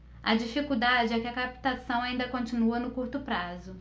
a dificuldade é que a captação ainda continua no curto prazo